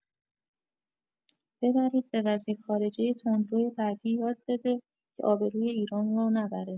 ببرید به وزیر خارجه تندروی بعدی یاد بده که آبروی ایران رو نبره